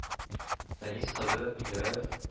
Фәнис хәзрәт Мингәрәев